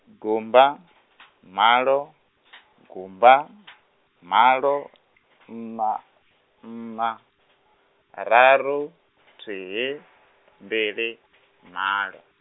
gumba, malo, gumba, malo, nṋa, nṋa, raru, thihi, mbili, malo.